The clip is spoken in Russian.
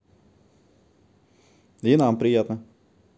и нам приятно